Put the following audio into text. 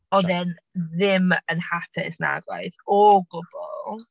Oedd e'n ddim yn hapus nag oedd? O gwbl.